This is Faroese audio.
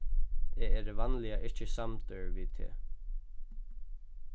eg eri vanliga ikki samdur við teg